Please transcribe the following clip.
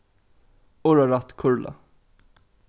orðarætt kurla